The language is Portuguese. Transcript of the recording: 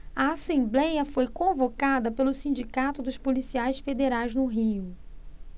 a assembléia foi convocada pelo sindicato dos policiais federais no rio